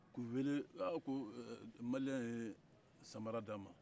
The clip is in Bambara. ko wele ko a ko miliɲɛ ye samara d'a ma